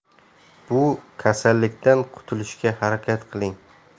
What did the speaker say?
bu kasallikdan qutulishga harakat qiling